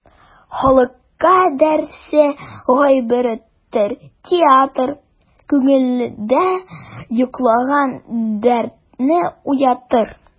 Халыкка дәрсе гыйбрәттер театр, күңелдә йоклаган дәртне уятыр.